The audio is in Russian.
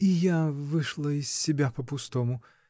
— И я вышла из себя по-пустому.